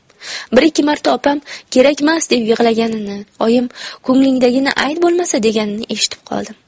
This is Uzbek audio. bir ikki marta opam kerakmas deb yig'laganini oyim ko'nglingdagini ayt bo'lmasa deganini eshitib qoldim